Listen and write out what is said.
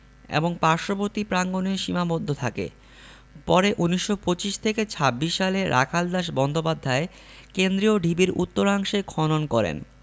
এবং পার্শ্ববর্তী প্রাঙ্গনে সীমাবদ্ধ থাকে পরে ১৯২৫ থেকে ২৬ সালে রাখালদাস বন্দ্যোপাধ্যায় কেন্দ্রীয় ঢিবির উত্তরাংশে খনন করেন